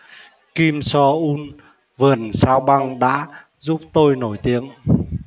kim so eun vườn sao băng đã giúp tôi nổi tiếng